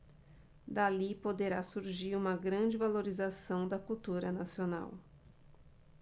dali poderá surgir uma grande valorização da cultura nacional